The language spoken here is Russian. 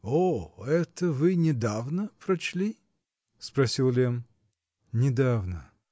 -- О-о, это вы недавно прочли? -- спросил Лемм. -- Недавно.